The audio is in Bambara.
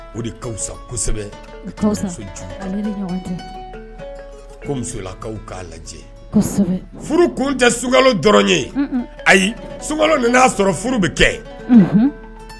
O de ka fusa kosɛbɛ o ka fusa, ale de ɲɔgɔn tɛ, fo musolakaw k'a lajɛ, kosɛbɛ, furu kun tɛ sukalo dɔrɔn ye ayi sunkalo nana sɔrɔ furu bɛ kɛ, unhun.